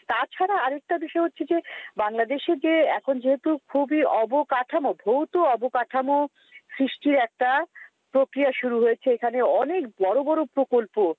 তাছাড়া আর একটা বিষয় হচ্ছে যে বাংলাদেশে যে এখন যেহেতু খুবই অবকাঠামো ভৌত অবকাঠামো সৃষ্টির একটা প্রক্রিয়া শুরু হয়েছে এখানে অনেক বড় বড় প্রকল্প